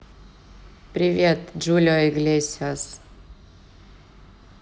привет julio iglesias